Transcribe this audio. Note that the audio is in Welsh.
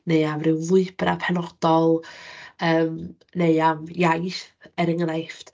Neu am ryw lwybrau penodol, yym neu am iaith er enghraifft.